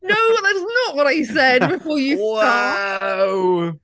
No that's not what I said, before you start!... Wow!